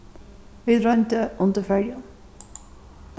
vit royndu undir føroyum